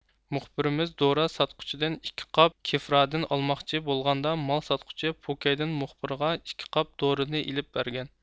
مۇخبىرىمىز دورا ساتقۇچىدىن ئىككى قاپ كېفرادىن ئالماقچى بولغاندا مال ساتقۇچى پوكەيدىن مۇخبىرغا ئىككى قاپ دورىنى ئېلىپ بەرگەن